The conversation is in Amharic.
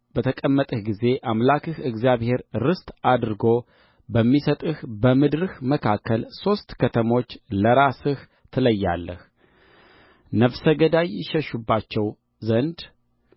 በተቀመጥህ ጊዜ አምላክህ እግዚአብሔር ርስት አድርጎ በሚሰጥህ በምድርህ መካከል ሦስት ከተሞችን ለራስህ ትለያለህ ነፍሰ ገዳይ ይሸሽባቸው ዘንድ